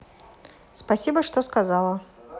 спасибо что ты сказала